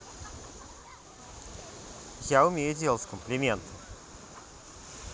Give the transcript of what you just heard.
я умею делать комплименты